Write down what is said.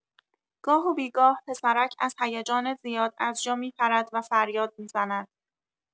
گاه و بی گاه، پسرک از هیجان زیاد از جا می‌پرد و فریاد می‌زند.